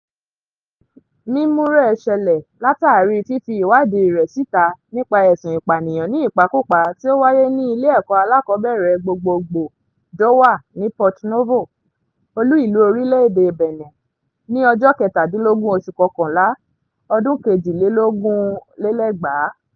Mímú rẹ̀ ṣẹlẹ̀ látàrí fífi ìwádìí rẹ̀ síta nípa ẹ̀sùn ìpànìyàn ní ìpakúpa tí ó wáyé ní ilé ẹ̀kọ́ alákọ̀ọ́bẹ̀rẹ̀ gbogbogbò Dowa ní Porto-Novo (olú ìlú orílẹ̀ èdè Benin) ní ọjọ́ 17 oṣù Kọkànlá, ọdún 2022.